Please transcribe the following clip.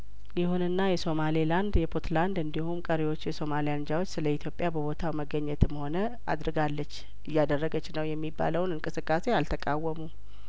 ይሁንና የሶማሌ ላንድ የፑትላንድ እንዲሁም ቀሪዎቹ የሶማሊያ አንጃዎች ስለኢትዮጵያ በቦታው መገኘትም ሆነ አድርጋለች እያደረገች ነው የሚባለውን እንቅስቃሴ አልተቃወሙም